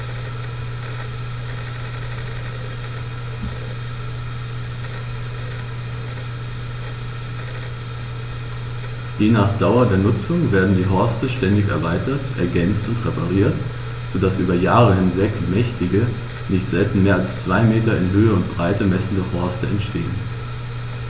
Je nach Dauer der Nutzung werden die Horste ständig erweitert, ergänzt und repariert, so dass über Jahre hinweg mächtige, nicht selten mehr als zwei Meter in Höhe und Breite messende Horste entstehen.